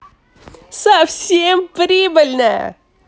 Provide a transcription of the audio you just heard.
совсем прибыльная